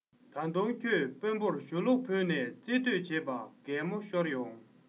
ད དུང ཁྱོད དཔོན པོར ཞུ ལོག ཕུལ ནས རྩོད འདོད བྱེད པ གད མོ ཤོར ཡོང